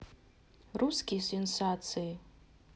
русские сенсации